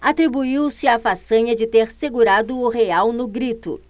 atribuiu-se a façanha de ter segurado o real no grito